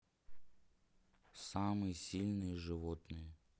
самые сильные животные